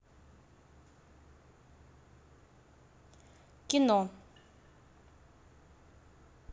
кино